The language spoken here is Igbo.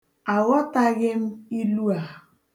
Aghọtaghị m ilu a.